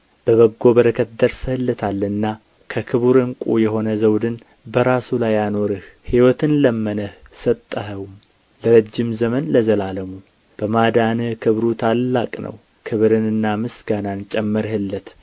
በበጎ በረከት ደርሰህለታልና ከክቡር ዕንቍ የሆነ ዘውድን በራሱ ላይ አኖርህ ሕይወትን ለመነህ ሰጠኸውም ለረጅም ዘመን ለዘላለሙ በማዳንህ ክብሩ ታላቅ ነው ክብርንና ምስጋናን ጨመርህለት